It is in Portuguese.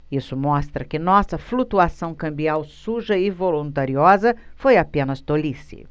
isso mostra que nossa flutuação cambial suja e voluntariosa foi apenas tolice